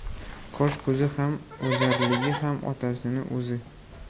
qosh ko'zi ham o'jarligi ham otasini o'zi